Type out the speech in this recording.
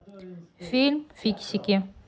фильм фиксики